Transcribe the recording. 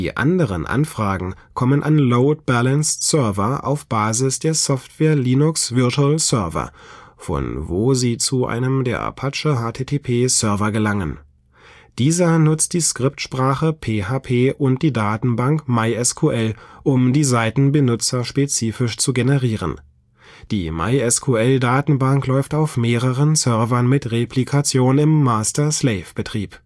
anderen Anfragen kommen an load-balanced Server auf Basis der Software Linux Virtual Server, von wo sie zu einem der Apache-HTTP-Server gelangen. Dieser nutzt die Skriptsprache PHP und die Datenbank MySQL, um die Seiten benutzerspezifisch zu generieren. Die MySQL-Datenbank läuft auf mehreren Servern mit Replikation im Master-Slave-Betrieb